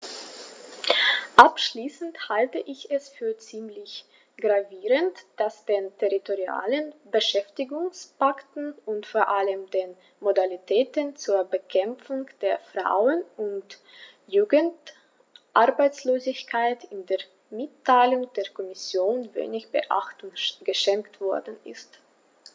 Abschließend halte ich es für ziemlich gravierend, dass den territorialen Beschäftigungspakten und vor allem den Modalitäten zur Bekämpfung der Frauen- und Jugendarbeitslosigkeit in der Mitteilung der Kommission wenig Beachtung geschenkt worden ist.